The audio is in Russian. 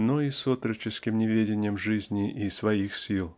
но и с отроческим неведением жизни и своих сил